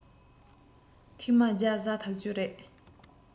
ཐེང མ རྒྱ བཟའ ཐག བཅོད རེད